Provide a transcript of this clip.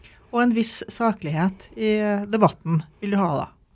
og en viss saklighet i debatten vil du ha da.